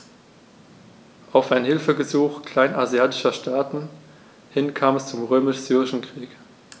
Auf ein Hilfegesuch kleinasiatischer Staaten hin kam es zum Römisch-Syrischen Krieg.